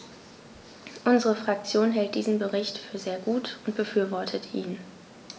Unsere Fraktion hält diesen Bericht für sehr gut und befürwortet ihn.